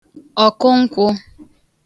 ọ̀kụǹkwụ